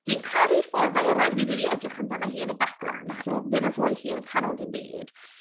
Dwi’n caru’r ffordd fel, oedd rhaid i fi really edrych amdani hi yn y background achos o’n nhw ddim yn rhoi hi yn y canol dim byd.